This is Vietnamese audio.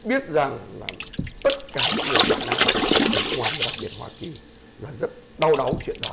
biết rằng làm tất cả những người việt nam ở nước ngoài và đặc biệt hoa kỳ là rất đau đáu chuyện đó